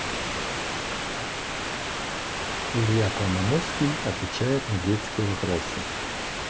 илья колмановский отвечает на детские вопросы